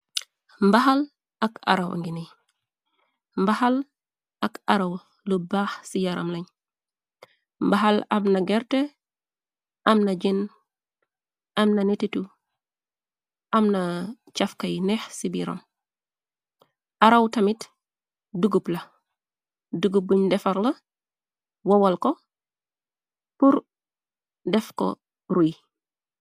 mbahal ak araw mungini, mbahal ak araw lu baah ci yaram lañ. Mbahal am na gerteh, amna jin, amna nittetu, am na chafka yu neeh ci biiram. Araw tamit dugub la, dugub buñ defar la, wowal ko pur def ko ruy.